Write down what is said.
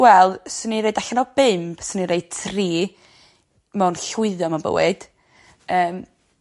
Wel swn i ddeud allan o bump swn i roi tri mewn llwyddo mewn bywyd yym